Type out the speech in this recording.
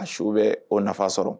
A su bɛ o nafa sɔrɔ